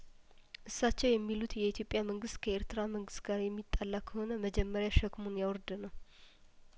እሳቸው የሚሉት የኢትዮጵያ መንግስት ከኤርትራ መንግስት ጋር የሚጣላ ከሆነ መጀመሪያ ሸክሙን ያውርድ ነው